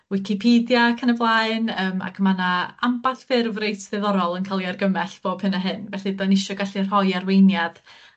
Wicipedia ac yn y blaen yym ac ma' 'na amball ffurf reit ddiddorol yn ca'l 'i argymell bob hyn a hyn, felly 'dyn ni isio gallu rhoi arweiniad